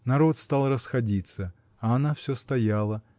Народ стал расходиться, а она все стояла